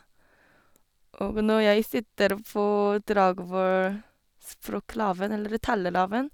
Og nå jeg sitter på Dragvoll språklaben eller talelaben.